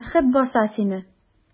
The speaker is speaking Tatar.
Бәхет баса сине!